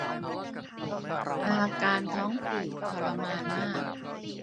อาการท้องผูกทรมานมาก